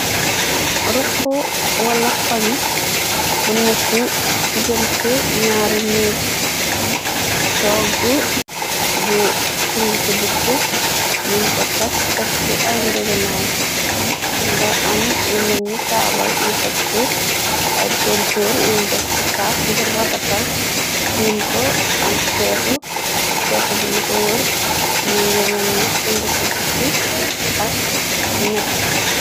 Ruq wala koñ bu neka digante ñaari néeg, togg bu sung ci bukki nin ko teg texsi ay ngeginaay. Ga am lu menni taabal, nu texsi ay tultuur yu njax sikaas ngir rakatal tiim ko am seetu, seetu bu ni ko wër mo nge menni sungu ci bukki ak nete.